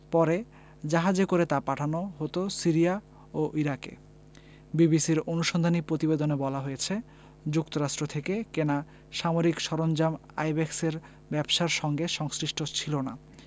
পরে জাহাজে করে তা পাঠানো হতো সিরিয়া ও ইরাকে বিবিসির অনুসন্ধানী প্রতিবেদনে বলা হয়েছে যুক্তরাষ্ট্র থেকে কেনা সামরিক সরঞ্জাম আইব্যাকসের ব্যবসার সঙ্গে সংশ্লিষ্ট ছিল না